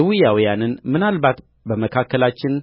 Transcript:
ኤዊያውያንን ምናልባት በመካከላችን